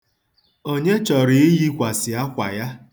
Onye chọrọ iyikwasị akwa ya?